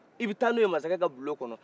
i bɛ taa n'o ye masakɛ ka bulon kɔnɔ